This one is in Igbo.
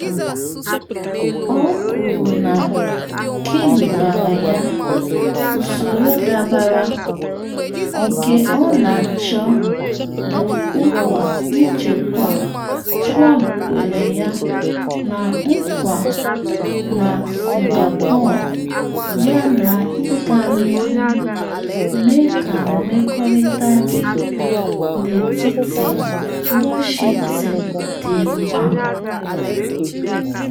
O kwuru na Kim gwara ya, “usoro dabara” nke ọ na-achọ bụ nkwa nchekwa Trump kwere ya na nkwa na Singapore yana ịga n’ihu mee ka mmekọrịta dị n’etiti Washington dị mma.